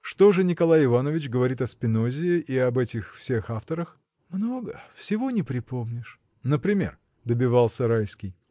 — Что же Николай Иванович говорит о Спинозе и об этих всех авторах? — Много: всего не припомнишь. — Например? — добивался Райский.